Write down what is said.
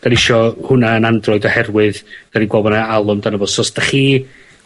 'dan ni isio hwnna yn Android 'dyn ni'n gweld bo' 'na alw amdano fo, so os 'dach chi